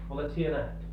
olet sinä nähnyt